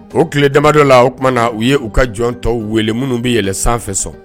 O tile damadɔ la, o tuma na, u ye u ka jɔn tɔw wele minnu bɛ yɛlɛn sanfɛ sɔn.